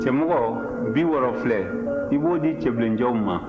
cɛmɔgɔ bi wɔɔrɔ filɛ i b'o di cɛbilencɛw ma